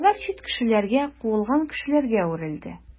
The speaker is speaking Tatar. Алар чит кешеләргә, куылган кешеләргә әверелде.